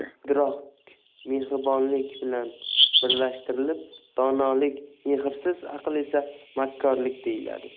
aql idrok mehribonlik bilan birlashtirilib donolik mehrsiz aql esa makkorlik deyiladi